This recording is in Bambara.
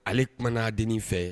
Ale kumana denin fɛ